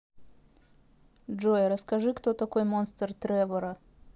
джой расскажи кто такой монстр тревора